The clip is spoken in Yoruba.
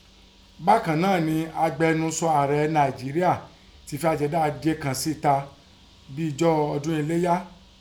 Bákàn náà ni agbẹrunsọ ún ààrẹ Nàìjéríà fi àtẹ̀jáde kàn sẹta bíjọ́ ọdún Iléyá.